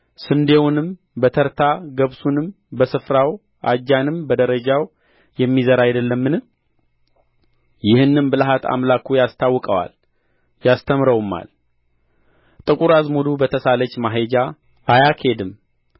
ስንዴውንም በተርታ ገብሱንም በስፍራው አጃንም በደረጃው የሚዘራ አይደለምን ይህንም ብልሃት አምላኩ ያስታውቀዋል ያስተምረውማል ጥቁሩ አዝሙድ በተሳለች መሄጃ አያኬድም